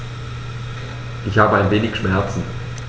Ich habe ein wenig Schmerzen.